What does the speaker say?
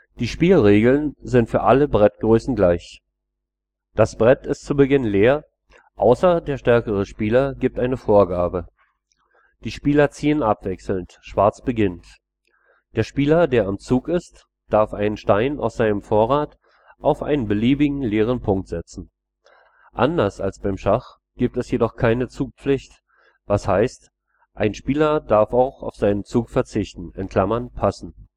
Die Spielregeln sind für alle Brettgrößen gleich. Das Brett ist zu Beginn leer, außer der stärkere Spieler gibt eine Vorgabe. Die Spieler ziehen abwechselnd, Schwarz beginnt. Der Spieler, der am Zug ist, darf einen Stein aus seinem Vorrat auf einen beliebigen leeren Punkt setzen. Anders als beim Schach gibt es jedoch keine Zugpflicht, das heißt ein Spieler darf auch auf seinen Zug verzichten (passen